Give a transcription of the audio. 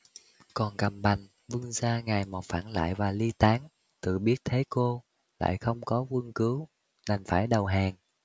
còn cầm bành quân gia ngày một phản lại và ly tán tự biết thế cô lại không có quân cứu đành phải đầu hàng